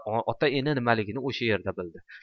ota ena nimaligini o'sha yerda bildi